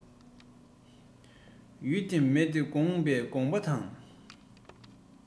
ཡུལ བདེ མི བདེ ཡོངས པའི དགོངས པ དང